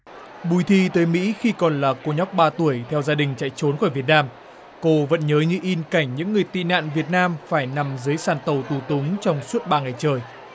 bùi thi tới mỹ khi còn là cô nhóc ba tuổi theo gia đình chạy trốn khỏi việt nam cô vẫn nhớ như in cảnh những người tị nạn việt nam phải nằm dưới sàn tàu tù túng trong suốt ba ngày trời